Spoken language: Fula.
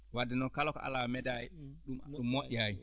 wadde noon kala ko alaa médaille ɗum moƴƴaani